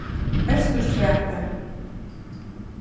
eysturstræti